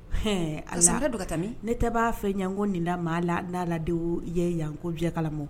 Ɛɛ azhara don ka tɛmɛ ne tɛ b'a fɛ yanko nin da maa la n' ladenw ye yanko diya kala mɔ